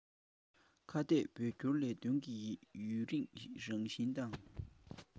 ཁ གཏད བོད སྐྱོར ལས དོན གྱི ཡུན རིང རང བཞིན དང